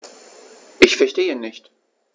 Ich verstehe nicht.